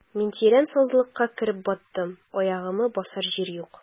Мин тирән сазлыкка кереп баттым, аягыма басар җир юк.